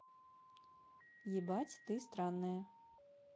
ебать ты странная